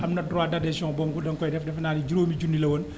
am na droit d' adhesion dong danga koy def defenaa ne juróomi junni la woon